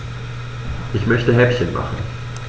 Ich möchte Häppchen machen.